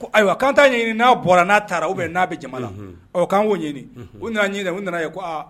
Ayiwa k'an t'a ɲɛ ɲini n'a bɔra n'a taara n'a bɛ jama la, unhun, ɔ k'an ko ɲini u nana ɲɛ ɲini u nana ye ko aa